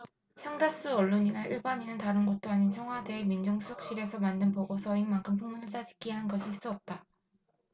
상당수 언론이나 일반인은다른 곳도 아닌 청와대의 민정수석실에서 만든 보고서인 만큼 풍문을 짜깁기한 것일 수 없다